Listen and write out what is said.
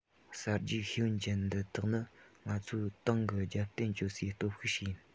གསར བརྗེའི ཤེས ཡོན ཅན འདི དག ནི ང ཚོའི ཏང གིས རྒྱབ རྟེན བཅོལ སའི སྟོབས ཤུགས ཤིག ཡིན